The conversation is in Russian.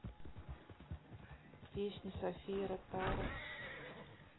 песни софии ротару